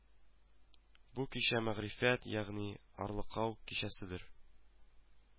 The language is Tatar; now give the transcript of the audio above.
Бу кичә мәгъфирәт ягъни ярлыкау кичәседер